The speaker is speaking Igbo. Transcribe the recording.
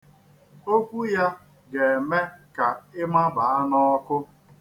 Okwu ya ga-eme ka ị mabaa n'ọkụ.